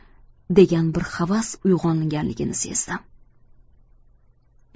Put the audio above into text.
degan bir havas uy g'onganligini sezdim